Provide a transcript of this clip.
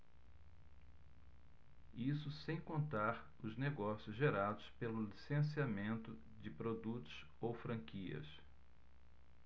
isso sem contar os negócios gerados pelo licenciamento de produtos ou franquias